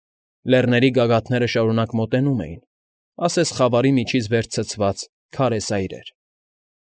Լեռների գագաթները շարունակ մոտենում էին՝ ասես խավարի միջից վեր ցցված քարե սայրեր։